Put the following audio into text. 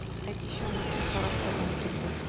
Ә кичә ныклы карар кабул ителде.